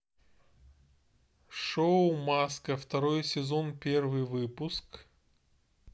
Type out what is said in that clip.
шоу маска второй сезон первый выпуск